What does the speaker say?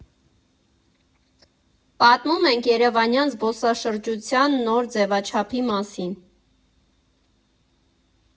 Պատմում ենք երևանյան զբոսաշրջության նոր ձևաչափի մասին.